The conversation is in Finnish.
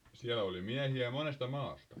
siellä oli miehiä monesta maasta